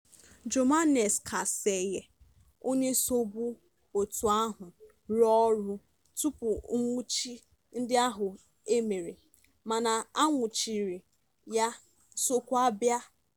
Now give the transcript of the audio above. Jomanex Kasaye, onye sobu òtù ahụ rụọ ọrụ tupu nnwụchi ndị ahụ e mere (mana anwụchighị ya) sokwara bịa.